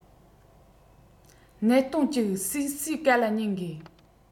གནད དོན གཅིག སུས སུའི བཀའ ལ ཉན དགོས